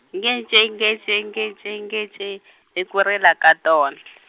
ngece ngece ngece ngece i ku rila ka ton- .